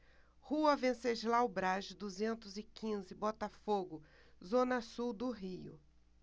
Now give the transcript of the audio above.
rua venceslau braz duzentos e quinze botafogo zona sul do rio